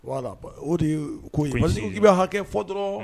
Wala o de ko parce ii bɛ hakɛ fɔ dɔrɔn